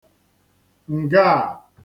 ǹga à